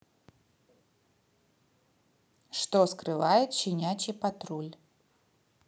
что скрывает щенячий патруль